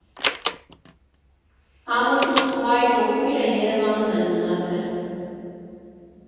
Ամուսնուս մայրն ու քույրը Երևանում են մնացել։